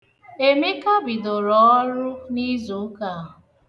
Emeka bidoro ọrụ n'izụụka a.